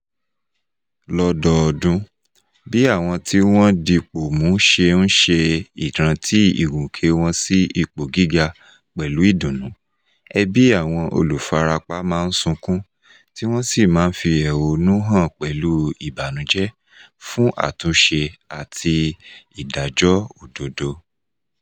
Lọ́dọọdún, bí àwọn tí wọ́n dipò mú ṣe ń ṣe ìrántí ìgùnkè wọn sí ipò gíga pẹ̀lú ìdùnnú, ẹbí àwọn olùfarapa máa ń sunkún, tí wọ́n sì máa ń fi ẹhónú hàn pẹ̀lú ìbànújẹ́ fún àtúnṣe àti ìdájọ́ òdodo.